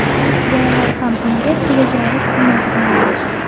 bolalar ham unga tegajog'lik qilmaydigan bo'lishdi